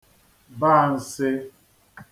ba n̄sị̄